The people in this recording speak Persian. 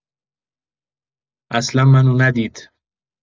اصلا منو ندید